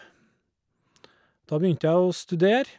Da begynte jeg å studere.